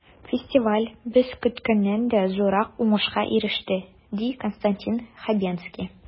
Фестиваль без көткәннән дә зуррак уңышка иреште, ди Константин Хабенский.